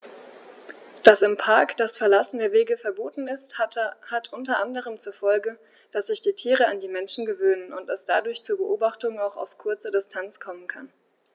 Dass im Park das Verlassen der Wege verboten ist, hat unter anderem zur Folge, dass sich die Tiere an die Menschen gewöhnen und es dadurch zu Beobachtungen auch auf kurze Distanz kommen kann.